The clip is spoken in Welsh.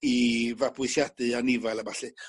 i fabwysiadu anifail a ballu